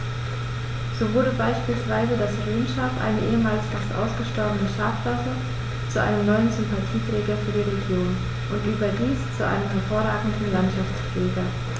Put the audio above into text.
So wurde beispielsweise das Rhönschaf, eine ehemals fast ausgestorbene Schafrasse, zu einem neuen Sympathieträger für die Region – und überdies zu einem hervorragenden Landschaftspfleger.